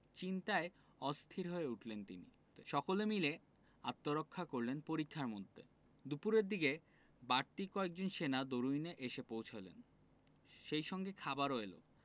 চিন্তায় অস্থির হয়ে উঠলেন তিনি সকলে মিলে আত্মরক্ষা করলেন পরিখার মধ্যে দুপুরের দিকে বাড়তি কয়েকজন সেনা দরুইনে এসে পৌঁছোলেন সেই সঙ্গে খাবারও এলো